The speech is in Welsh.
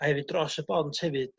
a hefyd dros y bont hefyd